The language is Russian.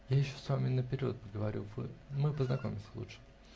Я еще с вами наперед поговорю, мы познакомимся лучше.